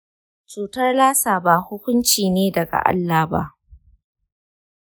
cutar lassa ba hukunci ne daga allah ba.